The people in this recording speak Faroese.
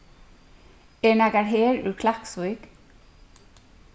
er nakar her úr klaksvík